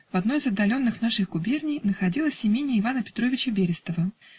В одной из отдаленных наших губерний находилось имение Ивана Петровича Берестова.